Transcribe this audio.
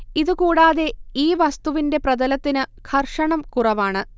ഇതു കൂടാതെ ഈ വസ്തുവിന്റെ പ്രതലത്തിന് ഘർഷണം കുറവാണ്